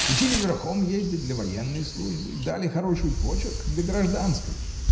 Учили верхом ездить для военной службы, дали хороший почерк для гражданской.